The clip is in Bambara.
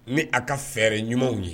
Ne a ka fɛɛrɛ ɲumanw ye